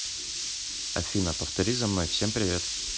афина повтори за мной всем привет